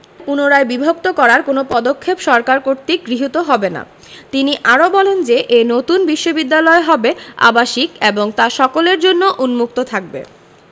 পুনরায় বিভক্ত করার কোনো পদক্ষেপ সরকার কর্তৃক গৃহীত হবে না তিনি আরও বলেন যে এ নতুন বিশ্ববিদ্যালয় হবে আবাসিক এবং তা সকলের জন্য উন্মুক্ত থাকবে